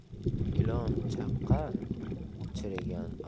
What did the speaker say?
ilon chaqqan chirigan